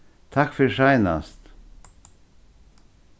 takk fyri seinast